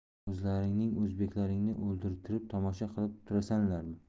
o'zlaringning o'zbeklaringni o'ldirtirib tomosha qilib turasanlarmi